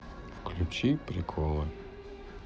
включи приколы